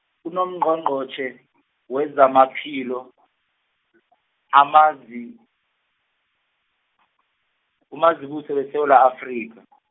unoNgqongqotjhe , wezamaphilo , amazi-, uMazibuse weSewula Afrika .